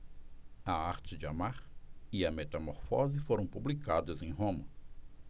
a arte de amar e a metamorfose foram publicadas em roma